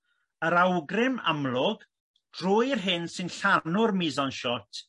Yr awgrym amlwg drwy'r hyn sy'n llarnw'r mise-en-shot